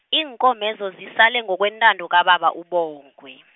iinkomezo zisale ngokwentando kababa uBongwe.